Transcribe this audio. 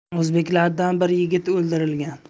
o'zbeklardan bir yigit o'ldirilgan